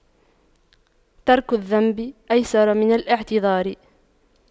ترك الذنب أيسر من الاعتذار